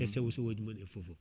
e sewoji mumen e fofoof